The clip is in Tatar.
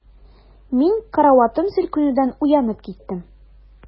Мин караватым селкенүдән уянып киттем.